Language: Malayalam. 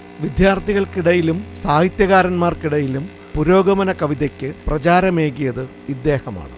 വിദ്യാർഥികൾക്കിടയിലും സാഹിത്യകാരന്മാർക്കിടയിലും പുരോഗമന കവിതയ്ക്ക് പ്രചാരമേകിയത് ഇദ്ദേഹമാണ്